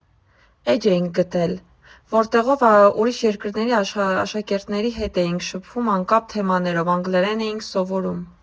Էջ էինք գտել, որտեղով ուրիշ երկրների աշակերտների հետ էինք շփվում անկապ թեմաներով, անգլերեն էինք սովորում։